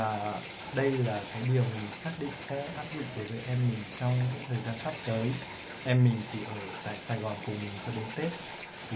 đây là những điều mà mình xác định sẽ áp dụng cho em gái mình trong thời gian sắp tới em mình sẽ ở sài gòn cùng mình cho đến tết